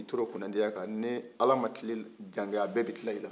ka t'i curo kunnadiya kan ni ala ma jan kɛ a bɛɛ bɛ tila e la